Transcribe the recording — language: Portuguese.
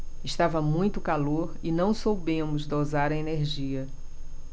estava muito calor e não soubemos dosar a energia